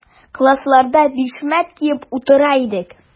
Классларда бишмәт киеп утыра идек.